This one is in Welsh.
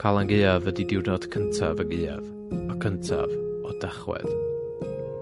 Calan Gaeaf ydi diwrnod cyntaf y Gaea, y cyntaf o Dachwedd.